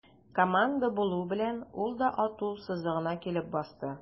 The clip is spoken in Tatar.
Команда булу белән, ул да ату сызыгына килеп басты.